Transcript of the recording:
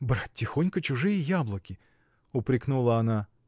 — Брать тихонько чужие яблоки! — упрекнула она.